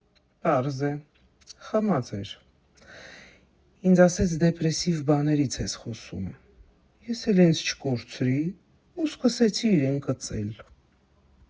Պարզ է, խմած էր, ինձ ասեց դեպրեսիվ բաներից ես խոսում, ես էլ ինձ չկորցրի ու սկսեցի իրեն կծել։